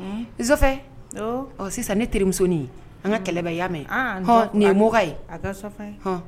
Nfɛ sisan ne teri musonin an ka kɛlɛya mɛn nin yemɔgɔ